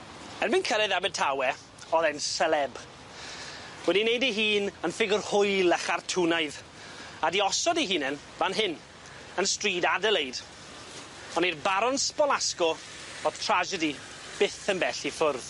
Erbyn cyrredd Abertawe o'dd e'n seleb wedi neud ei hun yn ffigwr hwyl a chartwnaidd a 'di osod ei hunen fan hyn, yn stryd Adelaide, ond i'r Baron Spolasco o'dd tragedy byth yn bell i ffwrdd.